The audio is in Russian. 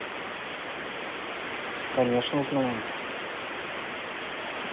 конечно знаю